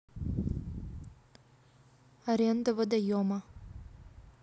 аренда водоема